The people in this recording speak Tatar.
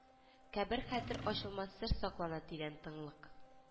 Кабер хәтер ачылмас сер саклана тирән тынлык